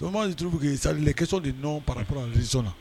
Oma tunuru bɛ' salikisɛso de nɔ pap son na